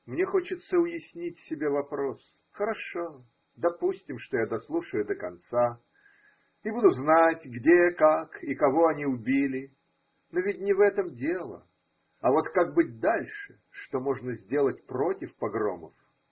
Мне хочется уяснить себе вопрос: хорошо, допустим, что я дослушаю до конца и буду знать, где, как и кого они убили, но ведь не в этом дело, а вот как быть дальше, что можно сделать против погромов?